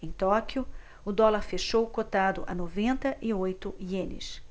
em tóquio o dólar fechou cotado a noventa e oito ienes